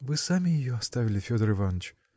-- Вы сами ее оставили, Федор Иваныч.